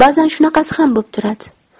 bazan shunaqasi ham bo'p turadi